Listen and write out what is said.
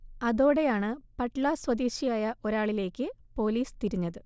അതോടെയാണ് പട്ള സ്വദേശിയായ ഒരാളിലേക്ക് പോലീസ് തിരിഞ്ഞത്